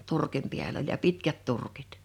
turkin päällä oli ja pitkät turkit